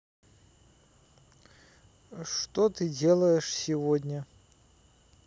что ты делаешь сегодня